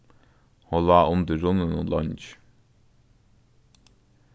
hon lá undir runninum leingi